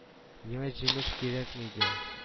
– миңа җимеш кирәкми дә